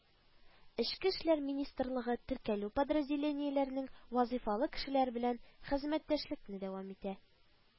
Эчке эшләр министрлыгы теркәү подразделениеләренең вазыйфалы кешеләре белән хезмәттәшлекне дәвам итә